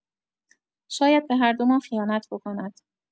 شاید به هر دومان خیانت بکند.